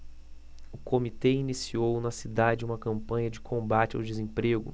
o comitê iniciou na cidade uma campanha de combate ao desemprego